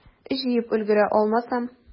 Җыеп өлгерә алмасам?